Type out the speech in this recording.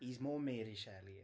He's more Mary Shelley.